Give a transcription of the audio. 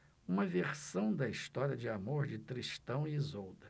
uma versão da história de amor de tristão e isolda